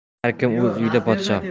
har kim o'z uyida podsho